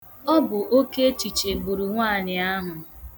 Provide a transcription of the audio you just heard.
Ọ bụ oke echiche gburu nwaanyị ahụ.